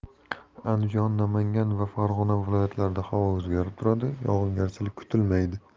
andijon namangan va farg'ona viloyatlarida havo o'zgarib turadi yog'ingarchilik kutilmaydi